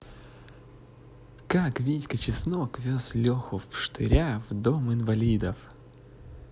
как витька чеснок вез леху в штыря в дом инвалидов